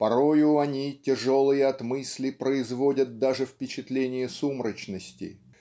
порою они, тяжелые от мысли, производят даже впечатление сумрачности.